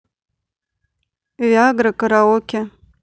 виагра караоке